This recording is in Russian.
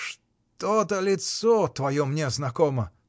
— Что-то лицо твое мне знакомо!